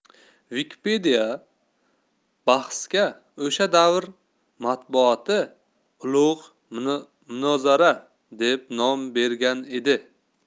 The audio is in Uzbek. wikipedia bahsga o'sha davr matbuoti ulug' munozara deb nom bergan edi